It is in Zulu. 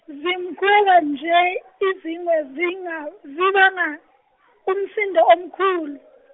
zimkhwela nje izingwe zinga- zibanga umsindo omkhulu.